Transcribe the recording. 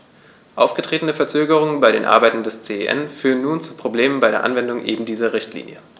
Aufgetretene Verzögerungen bei den Arbeiten des CEN führen nun zu Problemen bei der Anwendung eben dieser Richtlinie.